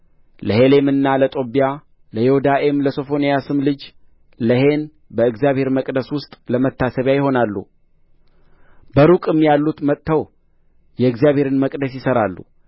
ለሔሌምና ለጦብያ ለዮዳኤም ለሶፎንያስም ልጅ ለሔን በእግዚአብሔር መቅደስ ውስጥ ለመታሰቢያ ይሆናሉ በሩቅም ያሉት መጥተው የእግዚአብሔርን መቅደስ ይሠራሉ